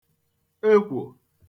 ekwò